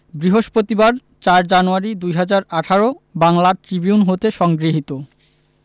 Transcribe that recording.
বৃহস্পতিবার ৪ January ২০১৮ Bangla Tribune হতে সংগৃহীত